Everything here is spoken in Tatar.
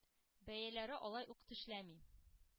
Бәяләре алай ук “тешләми”.